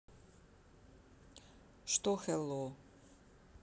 что hello